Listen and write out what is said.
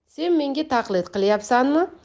sen menga taqlid qilyapsanmi